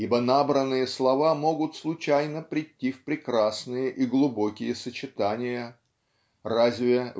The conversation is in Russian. Ибо набранные слова могут случайно прийти в прекрасные и глубокие сочетания разве